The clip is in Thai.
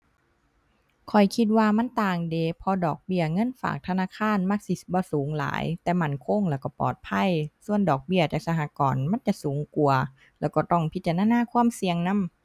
ข้อยคิดว่ามันต่างเดะ เพราะดอกเบี้ยเงินฝากธนาคารมักสิบ่สูงหลายแต่มั่นคงแล้วก็ปลอดภัย ส่วนดอกเบี้ยจากสหกรณ์มันจะสูงกว่า แล้วก็ต้องพิจารณาความเสี่ยงนำ